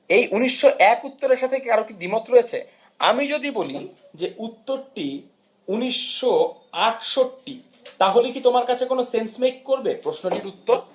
1901 উত্তরের সাথে কি কারো দ্বিমত রয়েছে আমি যদি বলি যে উত্তরটি হাজার 968 তাহলে কি তোমার কাছে কোনো সেন্স মেক করব প্রশ্নটির উত্তর